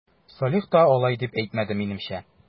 Салих та алай дип әйтмәде, минемчә...